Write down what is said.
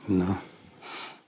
Ynw.